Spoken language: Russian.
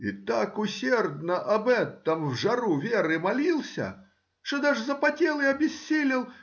И так усердно об этом в жару веры молился, что даже запотел и обессилел